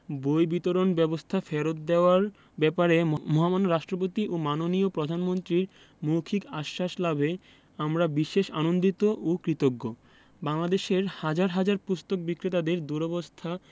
বই বিতরণ ব্যবস্থা ফেরত দেওয়ার ব্যাপারে মহামান্য রাষ্ট্রপতি ও মাননীয় প্রধানমন্ত্রীর মৌখিক আশ্বাস লাভে আমরা বিশেষ আনন্দিত ও কৃতজ্ঞ বাংলাদেশের হাজার হাজার পুস্তক বিক্রেতাদের দুরবস্থা